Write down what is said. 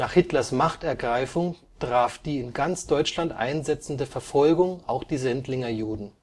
Hitlers Machtergreifung traf die in ganz Deutschland einsetzende Verfolgung auch die Sendlinger Juden